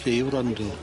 Lle i wrando.